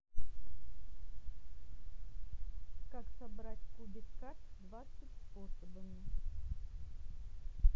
как собрать кубик cut двадцать способами